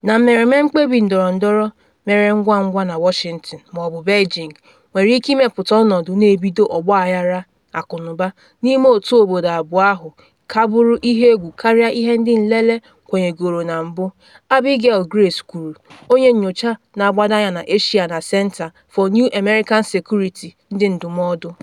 “Na mmereme mkpebi ndọrọndọrọ mere ngwangwa na Washington ma ọ bụ Beijing nwere ike ịmepụta ọnọdụ na ebido ọgbaghara akụnụba n’ime otu obodo abụọ ahụ ka bụrụ ihe egwu karịa ihe ndị nlele kwenyegoro na mbụ,” Abigail Grace kwuru, onye nyocha na agbado anya na Asia na Center for New American Security, ndị ndụmọdụ.